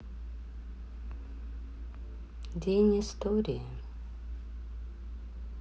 день истории